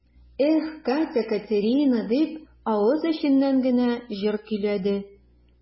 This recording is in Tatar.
Эх, Катя-Катерина дип, авыз эченнән генә җыр көйләде.